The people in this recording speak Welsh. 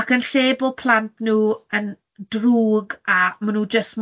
ac yn lle bod plant nhw yn drwg a ma' nhw jyst